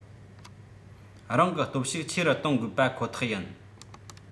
རང གི སྟོབས ཤུགས ཆེ རུ གཏོང དགོས པ ཁོ ཐག ཡིན